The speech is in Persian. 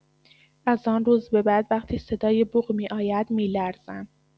از آن روز به بعد وقتی صدای بوق می‌آید، می‌لرزم.